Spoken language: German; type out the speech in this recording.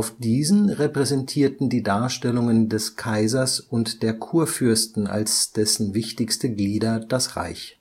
diesen repräsentierten die Darstellungen des Kaisers und der Kurfürsten als dessen wichtigste Glieder das Reich